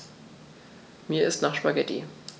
Mir ist nach Spaghetti.